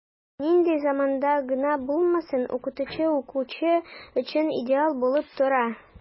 Нинди заманда гына булмасын, укытучы укучы өчен идеал булып тора.